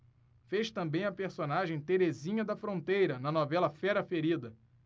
fez também a personagem terezinha da fronteira na novela fera ferida